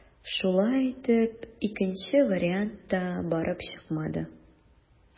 Шулай итеп, икенче вариант та барып чыкмады.